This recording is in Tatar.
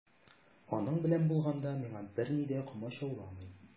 Аның белән булганда миңа берни дә комачауламый.